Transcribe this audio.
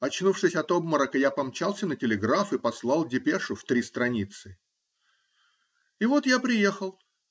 Очнувшись от обморока, я помчался на телеграф и послать депешу в три страницы. И вот я приехал.